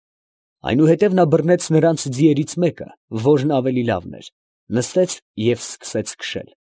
Այնուհետև նա բռնեց նրանց ձիերից մեկը, որն ավելի լավն էր, նստեց և սկսեց քշել։